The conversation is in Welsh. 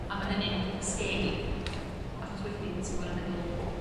A ma hynny'n sgeri achos wedyn t''n gor'o' meddwl